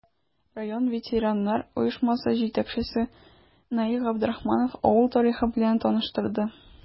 Район ветераннар оешмасы җитәкчесе Наил Габдрахманов авыл тарихы белән таныштырды.